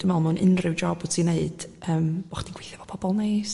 Dwi me'l mewn unrhyw job wti'n neud yym bo' chdi'n gwithio efo pobol neis